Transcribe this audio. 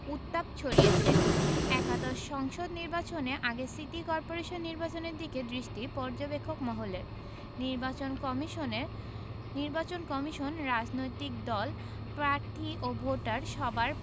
উত্তাপ ছড়িয়েছে একাদশ সংসদ নির্বাচনের আগে সিটি করপোরেশন নির্বাচনের দিকে দৃষ্টি পর্যবেক্ষক মহলের নির্বাচন কমিশনে নির্বাচন কমিশন রাজনৈতিক দল প্রার্থী ও ভোটার সবার